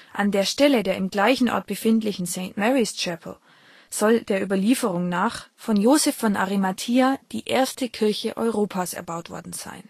An der Stelle der im gleichen Ort befindlichen St. Marys Chapel soll der Überlieferung nach von Joseph von Arimathia die erste Kirche Europas erbaut worden sein